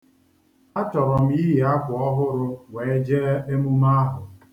A chọrọ m iyi akwa ọhụrụ wee jee emume ahụ.